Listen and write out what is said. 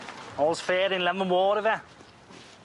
All's fair in love an' war yfe?